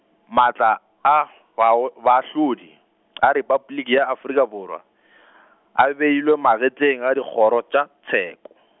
maatla a bao baahlodi, a Repabliki ya Afrika Borwa , a beilwe magetleng a dikgoro tša tsheko.